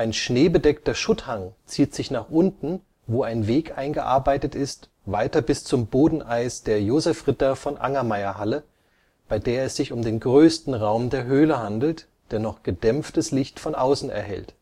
schneebedeckter Schutthang zieht sich nach unten, wo ein Weg eingearbeitet ist, weiter bis zum Bodeneis der Josef-Ritter-von-Angermayer-Halle, bei der es sich um den größten Raum der Höhle handelt, der noch gedämpftes Licht von außen erhält